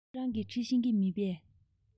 ཁྱེད རང གིས འབྲི ཤེས ཀྱི མེད པས